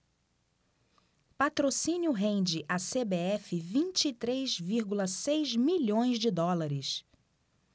patrocínio rende à cbf vinte e três vírgula seis milhões de dólares